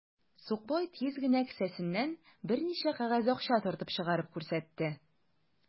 Сукбай тиз генә кесәсеннән берничә кәгазь акча тартып чыгарып күрсәтте.